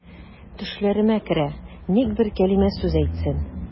Төшләремә керә, ник бер кәлимә сүз әйтсен.